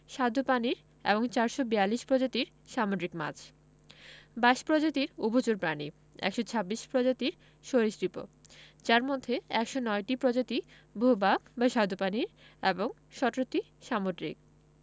স্বাদু পানির এবং ৪৪২ প্রজাতির সামুদ্রিক মাছ ২২ প্রজাতির উভচর প্রাণী ১২৬ প্রজাতির সরীসৃপ যার মধ্যে ১০৯টি প্রজাতি ভূ ভাগ বা স্বাদুপানির এবং ১৭টি সামুদ্রিক